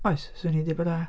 Oes, 'swn i'n dweud bod 'na,